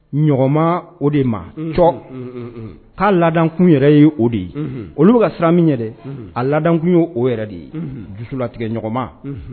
Ɲma o de ma c ka la kun yɛrɛ ye o de ye olu ka siran min yɛrɛ a lakun y' o yɛrɛ de ye dusu latigɛ ɲma